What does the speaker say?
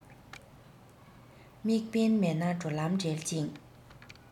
དམིགས འབེན མེད ན འགྲོ ལམ བྲལ ཅིང